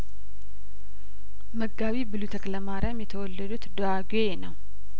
መጋቢ ብሉይ ተክለማሪያም የተወለዱት ዳጔ ነው